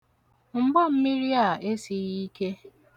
Mgbammiri a esighị ike.